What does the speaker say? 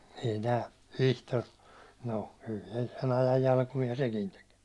ei tämä Vihtori no kyllä se sen ajan jalkuimia sekin teki